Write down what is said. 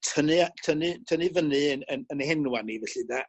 tynnu a tynnu tynnu fyny 'yn ''yn yn henwa ni felly 'de